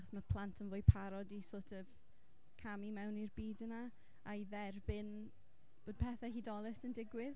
Achos ma' plant yn fwy parod i sort of camu mewn i'r byd yna a i dderbyn bod pethe hudolus yn digwydd.